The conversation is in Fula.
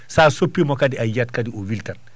sa soppimo kadi ayiyat kadi o wiltat